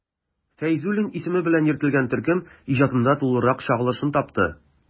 Фәйзуллин исеме белән йөртелгән төркем иҗатында тулырак чагылышын тапты.